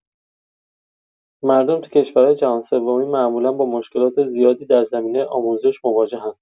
مردم تو کشورای جهان‌سومی معمولا با مشکلات زیادی در زمینه آموزش مواجه‌ان.